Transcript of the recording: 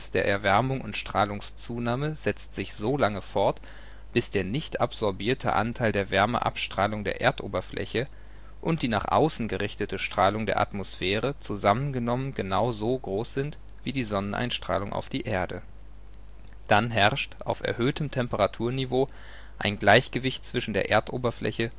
Erwärmung und Strahlungszunahme setzt sich so lange fort, bis der nicht absorbierte Anteil der Wärmeabstrahlung der Erdoberfläche und die nach außen gerichtete Strahlung der Atmosphäre zusammen genommen genau so groß sind, wie die Sonneneinstrahlung auf die Erde. Dann herrscht, auf erhöhtem Temperaturniveau, ein Gleichgewicht zwischen der Erdoberfläche